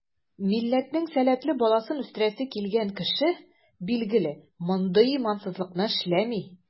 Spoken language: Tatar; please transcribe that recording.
Милләтнең сәләтле баласын үстерәсе килгән кеше, билгеле, мондый имансызлыкны эшләми.